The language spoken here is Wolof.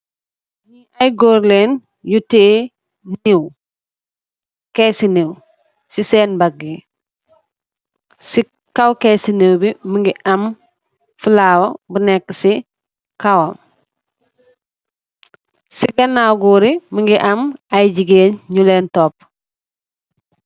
Ñii ay goor lañ, yu tiyee diw, keesi niw, si seen mbaggë. Si kow keesi ni bi mu ngi am falaawa, si ganaaw Goor yi, mu ngi am ay jigéen.